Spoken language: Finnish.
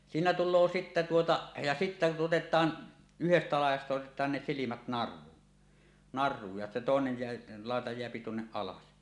siinä tulee sitten tuota ja sitten otetaan yhdestä laidasta otetaan ne silmät naruun naruun ja toinen jää laita jää tuonne alas